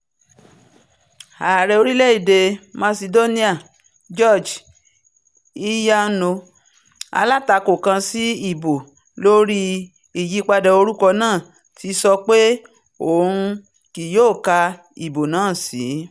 Ààrẹ orílẹ̀-èdè Masidóníà Gjorge Ivanov, alátakò kan sí ìbò lóri ìyípadà orúkọ náà, ti sọpé òun kì yóò ka ìbò náà sí.